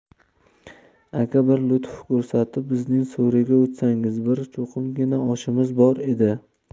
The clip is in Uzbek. aka bir lutf ko'rsatib bizning so'riga o'tsangiz bir cho'qimgina oshimiz bor edi